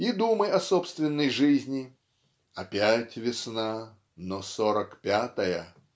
и думы о собственной жизни -- "опять весна, но сорок пятая"